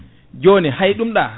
joni hay ɗum ɗa